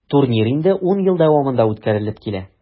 Турнир инде 10 ел дәвамында үткәрелеп килә.